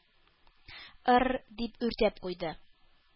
- ыр-р-р! – дип, үртәп куйды.